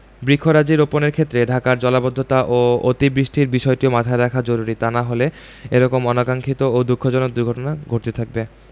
বৃক্ষরাজি রোপণের ক্ষেত্রে ঢাকার জলাবদ্ধতা ও অতি বৃষ্টির বিষয়টিও মাথায় রাখা জরুরী তা না হলে এ রকম অনাকাংক্ষিত ও দুঃখজনক দুর্ঘটনা ঘটতেই থাকবে